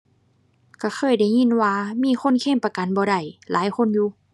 ก็เคยได้ยินว่ามีคนเคลมประกันบ่ได้หลายคนอยู่